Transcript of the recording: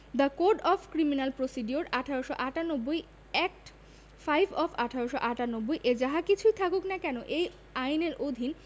the code of criminal procedure ১৮৯৮ act five of ১৮৯৮ এ যাহা কিছুই থাকুক না কেন এই আইনের অধীন